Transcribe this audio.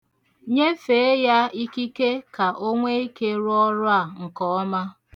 Nyefee ya ikike ka o nwe ike rụọ ọrụ a nke ọma.